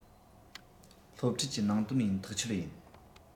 སློབ ཁྲིད ཀྱི ནང དོན ཡིན ཐག ཆོད ཡིན